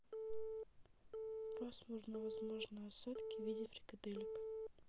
пасмурно возможны осадки в виде фрикаделек